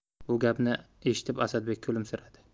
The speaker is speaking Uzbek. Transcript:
bu gapni eshitib asadbek kulimsiradi